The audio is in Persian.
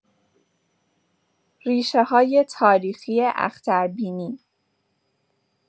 ریشه‌های تاریخی اختربینی